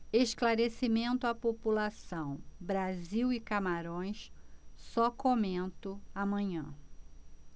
esclarecimento à população brasil e camarões só comento amanhã